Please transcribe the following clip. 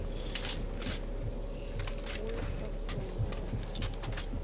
в поисках солнца